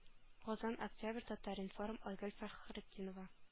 Казан октябрь татар-информ айгөл фәхретдинова